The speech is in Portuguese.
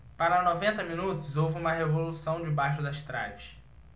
para noventa minutos houve uma revolução debaixo das traves